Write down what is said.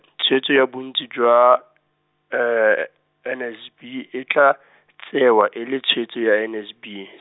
tshwetso ya bontsi jwa, N S B e tla, tsewa e le tshwetso ya N S B.